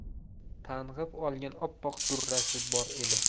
tang'ib olgan oppoq durrasi bor edi